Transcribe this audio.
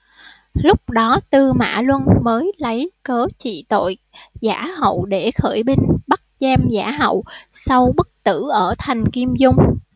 lúc đó tư mã luân mới lấy cớ trị tội giả hậu để khởi binh bắt giam giả hậu sau bức tử ở thành kim dung